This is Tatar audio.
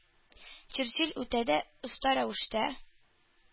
Черчилль үтә дә оста рәвештә